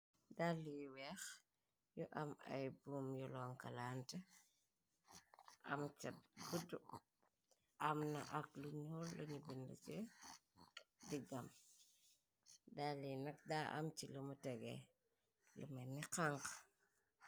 Dale yu weex, yu am ay boom yu lonkalante, am cat bu guddu, amna ak lu ñuul lañu binde ci diggam, dalle yi nag daa am ci lamu tege lu melni xanx.